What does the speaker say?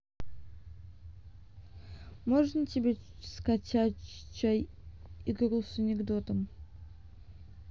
можно тебя скачать чай игру с анекдотом